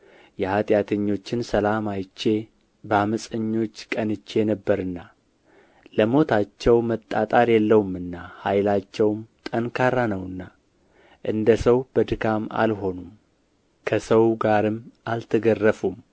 የኃጢአተኞችን ሰላም አይቼ በዓመፀኞች ቀንቼ ነበርና ለሞታቸው መጣጣር የለውምና ኃይላቸውም ጠንካራ ነውና እንደ ሰው በድካም አልሆኑም ከሰው ጋርም አልተገረፉም